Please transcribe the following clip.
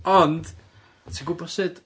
Ond, ti'n gwbod sut...